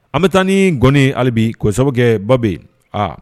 An bɛ taa ni gɔni halibi ko sababukɛ ba bɛ a